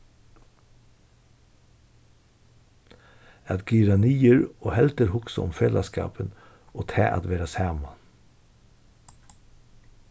at gira niður og heldur hugsa um felagsskapin og tað at vera saman